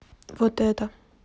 вот это